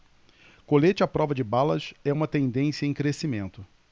colete à prova de balas é uma tendência em crescimento